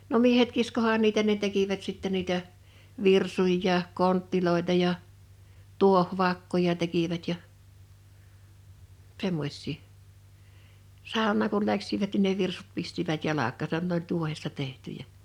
no miehet kiskoihan niitä ne tekivät sitten niitä virsuja ja kontteja ja tuohivakkoja tekivät ja semmoisia saunaan kun lähtivät niin ne virsut pistivät jalkaansa ne oli tuohesta tehtyjä